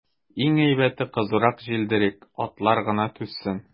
Иң әйбәте, кызурак җилдерик, атлар гына түзсен.